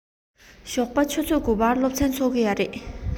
ཞོགས པ ཆུ ཚོད དགུ པར སློབ ཚན ཚུགས ཀྱི ཡོད རེད